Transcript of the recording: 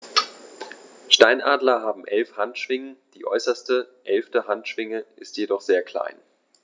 Steinadler haben 11 Handschwingen, die äußerste (11.) Handschwinge ist jedoch sehr klein.